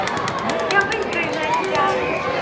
я выиграю на олимпиаде